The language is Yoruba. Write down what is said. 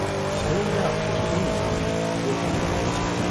Rangers kòní ìmísí, bótiwùkórí.